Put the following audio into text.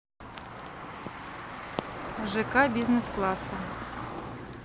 жк бизнес класса